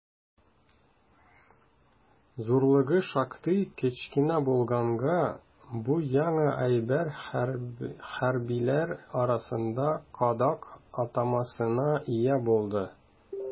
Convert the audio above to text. Зурлыгы шактый кечкенә булганга, бу яңа әйбер хәрбиләр арасында «кадак» атамасына ия булды.